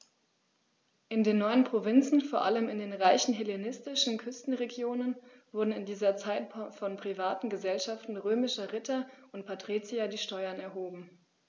In den neuen Provinzen, vor allem in den reichen hellenistischen Küstenregionen, wurden in dieser Zeit von privaten „Gesellschaften“ römischer Ritter und Patrizier die Steuern erhoben.